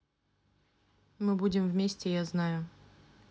мы будем вместе я знаю